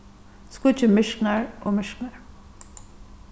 skuggin myrknar og myrknar